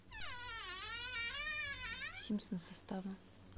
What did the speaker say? симпсоны состава